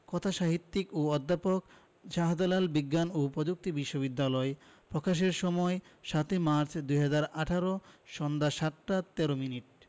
কথাসাহিত্যিক ও অধ্যাপক শাহজালাল বিজ্ঞান ও প্রযুক্তি বিশ্ববিদ্যালয় প্রকাশের সময় ৭মার্চ ২০১৮ সন্ধ্যা ৭টা ১৩ মিনিট